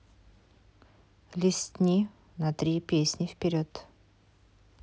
листни на три песни вперед